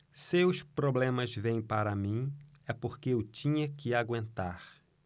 se os problemas vêm para mim é porque eu tinha que aguentar